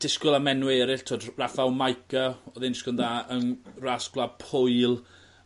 disgwl am enwe eryll t'wod Rafał Majka o'dd e'n disgwl yn dda yn ras Gwlad Pwyl.